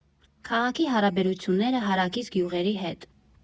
Քաղաքի հարաբերությունները հարակից գյուղերի հետ։